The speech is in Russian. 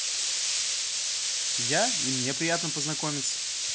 я и мне приятно познакомиться